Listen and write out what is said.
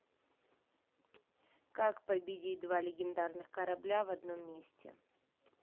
как победить два легендарных корабля в одном месте